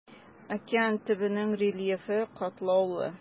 Океан төбенең рельефы катлаулы.